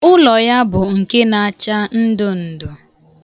Ụlọ ya bụ nke na-acha ndụndụ.